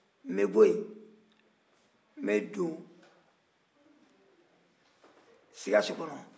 n bɛ bɔ yen bɛ don sikaso kɔnɔ